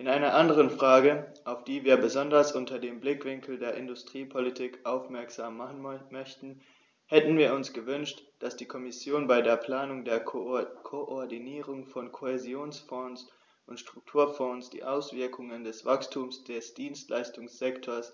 In einer anderen Frage, auf die wir besonders unter dem Blickwinkel der Industriepolitik aufmerksam machen möchten, hätten wir uns gewünscht, dass die Kommission bei der Planung der Koordinierung von Kohäsionsfonds und Strukturfonds die Auswirkungen des Wachstums des Dienstleistungssektors,